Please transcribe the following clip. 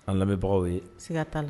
An lamɛnbagaw ye sika ta la